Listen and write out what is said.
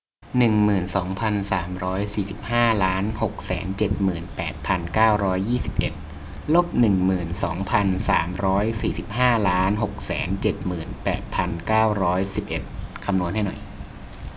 หนึ่งหมื่นสองพันสามร้อยสี่สิบห้าล้านหกแสนเจ็ดหมื่นแปดพันเก้าร้อยยี่สิบเอ็ดลบหนึ่งหมื่นสองพันสามร้อยสี่สิบห้าล้านหกแสนเจ็ดหมื่นแปดพันเก้าร้อยสิบเอ็ดคำนวณให้หน่อย